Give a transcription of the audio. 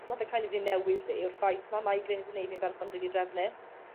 ma' fe kind of 'di newid fi yw'r ffaith ma' migraines 'di neud fi'n berson rili drefnus.